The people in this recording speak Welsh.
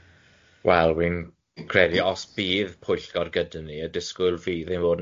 Wel fi'n credu os bydd Pwyllgor gyda ni, y disgwyl fydd ein bod ni'n